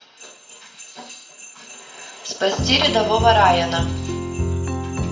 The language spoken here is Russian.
спасти рядового райана